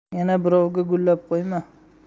yana birovga gullab qo'yma